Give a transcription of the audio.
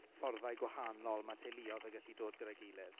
Fforddau gwahanol mae teuluoedd yn gallu dod gyda'i gilydd.